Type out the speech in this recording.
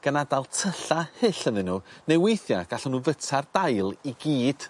gan adal tylla hyll ynnyn n'w neu weithia' gallwn n'w fyta'r dail i gyd.